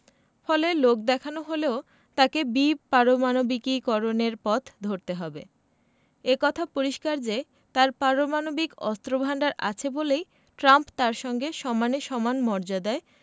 ফলে লোকদেখানো হলেও তাঁকে বিপারমাণবিকীকরণের পথ ধরতে হবে এ কথা পরিষ্কার যে তাঁর পারমাণবিক অস্ত্রভান্ডার আছে বলেই ট্রাম্প তাঁর সঙ্গে সমানে সমান মর্যাদায়